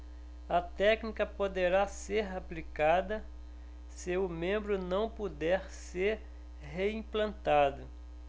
a técnica poderá ser aplicada se o membro não puder ser reimplantado